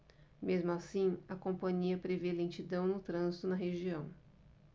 mesmo assim a companhia prevê lentidão no trânsito na região